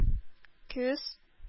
Күз